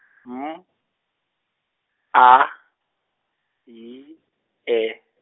M, A, Y, E.